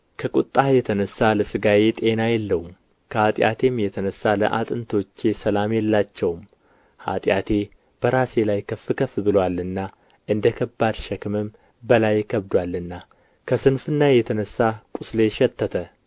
ከቍጣህ የተነሣ ለሥጋዬ ጤና የለውም ከኃጢአቴም የተነሣ ለአጥንቶቼ ሰላም የላቸውም ኃጢአቴ በራሴ ላይ ከፍ ከፍ ብሎአልና እንደ ከባድ ሸክምም በላዬ ከብዶአልና ከስንፍናዬ የተነሣ ቍስሌ ሸተተ